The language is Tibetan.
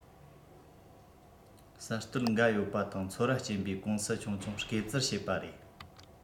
གསར གཏོད འགའ ཡོད པ དང ཚོར བ སྐྱེན པའི ཀུང སི ཆུང ཆུང སྐེ བཙིར བྱེད པ རེད